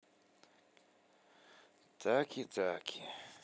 таки таки